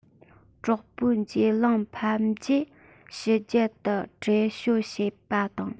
དྲག པོའི གྱེན ལངས ཕམ རྗེས ཕྱི རྒྱལ དུ བྲོས བྱོལ བྱས པ དང